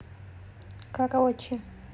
короче